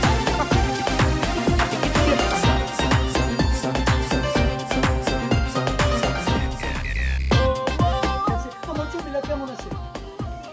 music